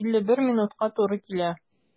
51 минутка туры килә.